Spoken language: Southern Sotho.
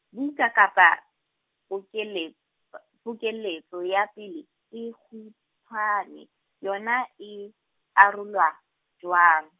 buka kapa pokele-, p- pokeletso ya pale, e kgutshwane, yona e, arolwa, jwang?